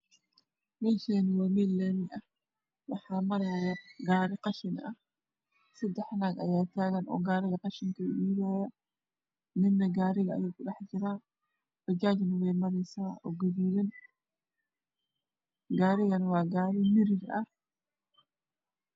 Mehaani waa mel lami ah waxaa maraya gai qashiinle ah waxaa tagan sedax naag oo qadhinka dhibaya ninna gariga ayuu ku jira bajajna way maraysa oo gaduudan